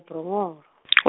Bronghoro .